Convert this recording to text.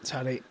Sori.